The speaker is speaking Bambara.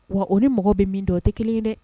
Wa o ni mɔgɔ bɛ min dɔ tɛ kelen ye dɛ